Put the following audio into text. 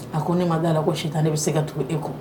A ko ne ma'a la ko si ne bɛ se ka tugu e ko